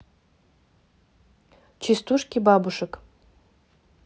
частушки бабушек